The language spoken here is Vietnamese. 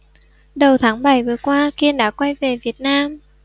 đầu tháng bảy vừa qua kiên đã quay về việt nam